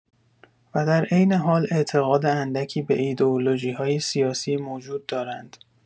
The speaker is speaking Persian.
و در عین حال اعتقاد اندکی به ایدئولوژی‌های سیاسی موجود دارند.